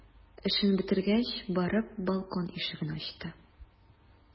Эшен бетергәч, барып балкон ишеген ачты.